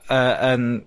yy yn